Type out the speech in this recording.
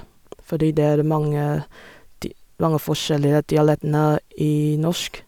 Fordi det er mange di mange forskjellige dialektene i norsk.